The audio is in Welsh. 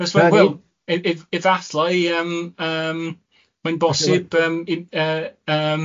Felly... Na ni. ...wel i i i ddathlu i yym yym mae'n bosib yym i yy yym